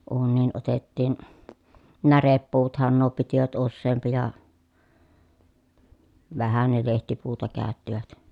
uuniin otettiin närepuuthan nuo pitivät useampi ja vähän ne lehtipuuta käyttivät